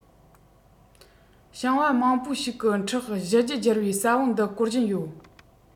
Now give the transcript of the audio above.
ཞིང པ མང པོ ཞིག འཕྲོག གཞི རྒྱུ སྒྱུར བའི ས བོན འདི བཀོལ བཞིན ཡོད